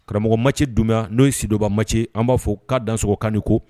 Karamɔgɔ masi dun n'o siba ma cɛ an b'a fɔ k ka dansɔgɔkan ko